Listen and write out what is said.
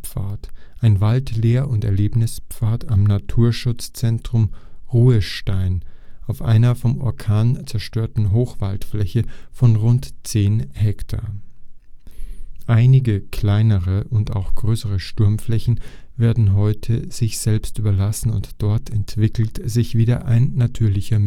Lotharpfad, ein Waldlehr - und Erlebnispfad am Naturschutzzentrum Ruhestein auf einer vom Orkan zerstörten Hochwaldfläche von rund 10 Hektar. Einige kleinere und auch größere Sturmflächen werden heute sich selbst überlassen und dort entwickelt sich wieder ein natürlicher